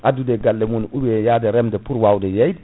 addu e galle mum ou bien reemde pour wawde yeyde